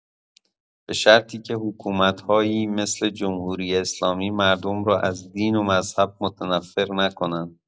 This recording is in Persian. به شرطی که حکومت‌هایی مثل جمهوری‌اسلامی، مردم رو از دین و مذهب متنفر نکنن